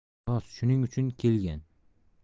rost shuning uchun kelgan